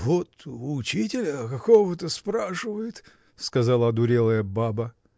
— Вот учителя какого-то спрашивает! — сказала одурелая баба.